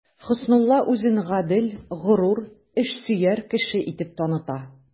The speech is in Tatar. Хөснулла үзен гадел, горур, эшсөяр кеше итеп таныта.